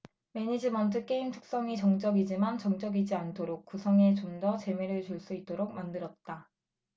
매니지먼트 게임 특성이 정적이지만 정적이지 않도록 구성해 좀 더 재미를 줄 수 있도록 만들었다